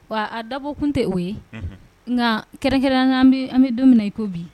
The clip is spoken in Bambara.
Wa a dabɔ kun tɛ o ye nka kɛrɛrɛnkɛrɛnya la, an bɛ don min na i ko bi,